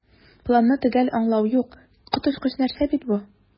"планны төгәл аңлау юк, коточкыч нәрсә бит бу!"